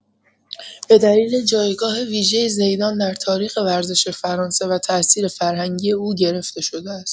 به دلیل جایگاه ویژه زیدان در تاریخ ورزش فرانسه و تاثیر فرهنگی او گرفته‌شده است.